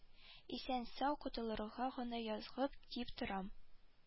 Исән-сау котылырга гына язгып дип торам